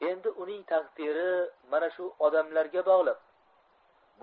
endi uning taqdiri mana shu odamlarga bog'liq